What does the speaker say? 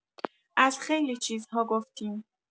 از خیلی چیزها گفتیم.